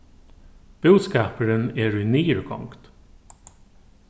búskapurin er í niðurgongd